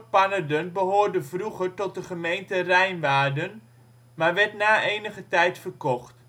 Pannerden behoorde vroeger tot de gemeente Rijnwaarden maar werd na enige tijd verkocht